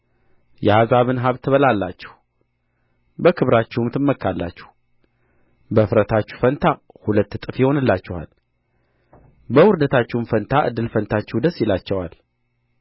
የአሕዛብን ሀብት ትበላላችሁ በክብራቸውም ትመካላችሁ በእፍረታችሁ ፋንታ ሁለት እጥፍ ይሆንላችኋል በውርደታችሁም ፋንታ ዕድል ፈንታችሁ ደስ ይላቸዋል